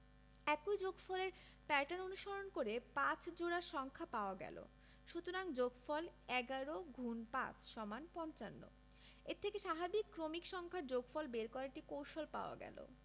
একই যোগফলের প্যাটার্ন অনুসরণ করে ৫ জোড়া সংখ্যা পাওয়া গেল সুতরাং যোগফল ১১*৫=৫৫ এ থেকে স্বাভাবিক ক্রমিক সংখ্যার যোগফল বের করার একটি কৌশল পাওয়া গেল